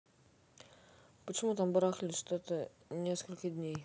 почему там барахлит что то несколько дней